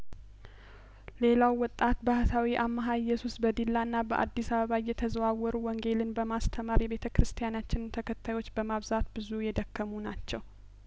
ሌላው ወጣት ባህታዊ አምሀ ኢየሱስ በዲላና በአዲስ አበባ እየተዘዋወሩ ወንጌልን በማስተማር የቤተክርስቲያናችንን ተከታዮች በማብዛት ብዙ የደከሙ ናቸው